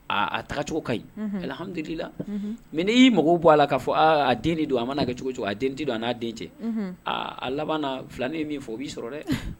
Aaa a tagacogo ka ɲi hamdulila mais n'i y'i mako bɔ a la k'a fɔ a den de do a mana kɛ cogo o cogo a den de n tɛ do a n'a den cɛ aaa a laban na Filani ye min fɔ o b'i sɔrɔ dɛ.